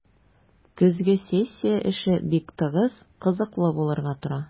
Көзге сессия эше бик тыгыз, кызыклы булырга тора.